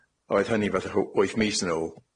Oedd hynny fatha hw- wyth mis yn ôl.